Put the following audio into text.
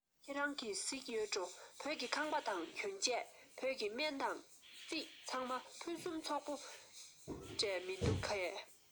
ཁྱེད རང གིས གཟིགས ཡོད འགྲོ བོད ཀྱི ཁང པ དང གྱོན ཆས བོད ཀྱི སྨན དང རྩིས ཚང མ ཕུན སུམ ཚོགས པོ འདྲས མི འདུག གས